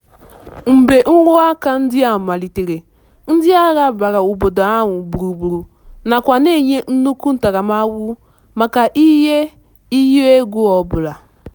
Mgbe nruaka ndị a malitere, ndịagha gbara obodo ahụ gburugburu nakwa na-enye nnukwu ntaramahụhụ maka ihe iyi egwu ọbụla.